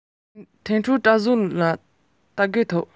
ཟེགས མ ཐལ རྡུལ ལས མང བར གྱུར